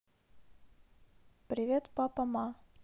привет папа ма